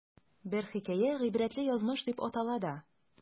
Бер хикәя "Гыйбрәтле язмыш" дип атала да.